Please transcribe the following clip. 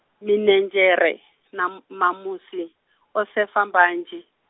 mininzhere, na m- na mamusi, o sefa vhanzhi.